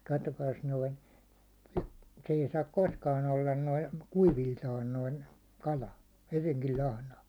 katsokaas noin se ei saa koskaan olla noin kuiviltaan noin kala hyvinkin lahna